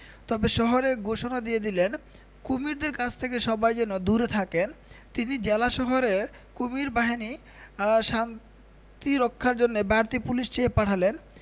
তবে শহরে ঘোষণা দিয়ে দিলেন কুমীরদের কাছ থেকে সবাই যেন দূরে থাকেন তিনি জেলা শহরে কুমীর বাহিনী শান্তি রক্ষার জন্যে বাড়তি পুলিশ চেয়ে পাঠালেন